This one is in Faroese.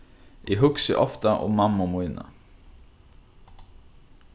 eg hugsi ofta um mammu mína